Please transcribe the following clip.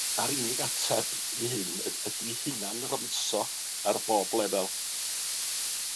A'r unig ateb i hyn y- ydi hunan rymuso ar bob lefel.